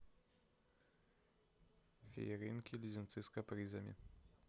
фееринки леденцы с капризами